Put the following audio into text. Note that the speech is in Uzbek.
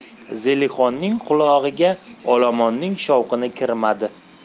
zelixonning qulog'iga olomonning shovqini kirmadi